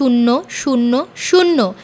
১০০০